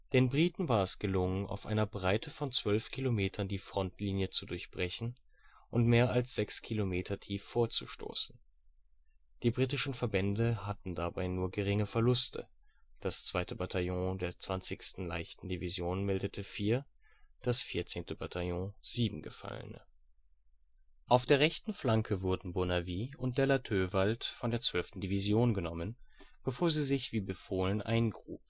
Den Briten war es gelungen, auf einer Breite von zwölf Kilometern die Frontlinie zu durchbrechen und mehr als 6 km tief vorzustoßen. Die britischen Verbände hatten dabei nur geringe Verluste, das 2. Bataillon der 20. leichten Division meldete vier, das 14. Bataillon sieben Gefallene. Auf der rechten Flanke wurden Bonavis und der Lateux-Wald von der 12. Division genommen, bevor sie sich, wie befohlen, eingrub